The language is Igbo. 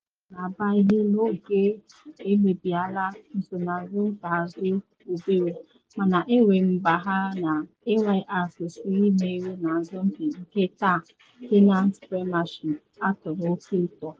Ọnwụnwa abụọ na abịaghị n’oge emebiela nsonaazụ ikpeazụ obere, mana enweghị mgbagha na Ayr kwesịrị imeri na asọmpi nke taa Tennent’s Premiership a tọrọ oke ụtọ.